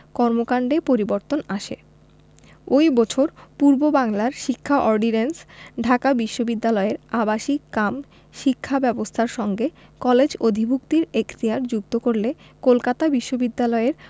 কর্মকান্ডে পরিবর্তন আসে ওই বছর পূর্ববাংলার শিক্ষা অর্ডিন্যান্স ঢাকা বিশ্ববিদ্যালয়ের আবাসিক কাম শিক্ষা ব্যবস্থার সঙ্গে কলেজ অধিভুক্তির এখতিয়ার যুক্ত করলে কলকাতা বিশ্ববিদ্যালয়ের